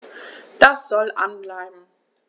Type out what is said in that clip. Das soll an bleiben.